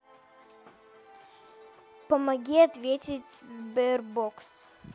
помоги ответить sberbox